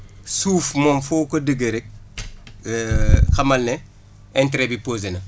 suuf moom foo ko déggee rek xamal ne intérêt bi posé na